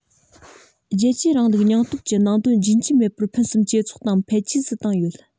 རྒྱལ གཅེས རིང ལུགས སྙིང སྟོབས ཀྱི ནང དོན རྒྱུན ཆད མེད པར ཕུན སུམ ཇེ ཚོགས དང འཕེལ རྒྱས སུ བཏང ཡོད